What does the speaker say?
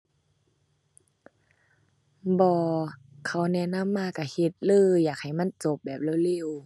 บ่ เขาแนะนำมาก็เฮ็ดเลย อยากให้มันจบแบบเร็วเร็ว